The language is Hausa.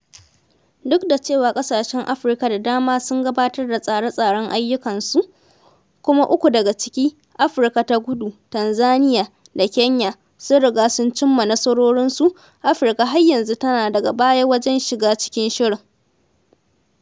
Duk da cewa ƙasashen Afrika da dama sun gabatar da tsare-tsaren ayyukansu, kuma uku daga ciki, Afrika ta Kudu, Tanzania, da Kenya sun riga sun cimma nasarorin su, Afrika har yanzu tana daga baya wajen shiga cikin shirin.